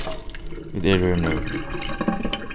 vit eru her nú